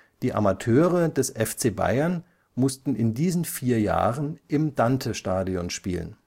Die Amateure des FC Bayern mussten in diesen vier Jahren im Dantestadion spielen